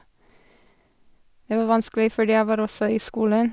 Det var vanskelig, fordi jeg var også i skolen.